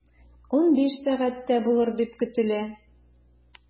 15.00 сәгатьтә булыр дип көтелә.